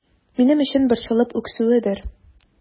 Минем өчен борчылып үксүедер...